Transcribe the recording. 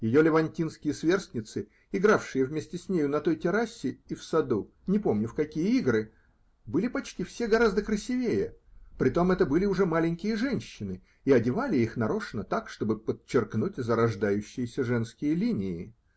Ее левантинские сверстницы, игравшие вместе с нею на той террасе и в саду не помню в какие игры, были почти все гораздо красивее, притом это были уже маленькие женщины, и одевали их нарочно так, чтобы подчеркнуть зарождающиеся женские линии.